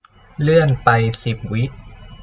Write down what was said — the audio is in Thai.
เลื่อนไปสิบวิ